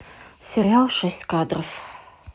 сериал шесть кадров